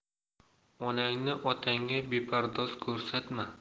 onangni otangga bepardoz ko'rsatma